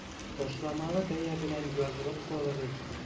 Ташламалы бәя белән язылып калыгыз!